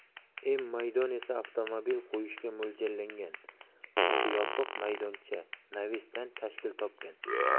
m maydon esa avtomobil qo'yishga mo'ljallangan usti yopiq maydoncha naves dan tashkil topgan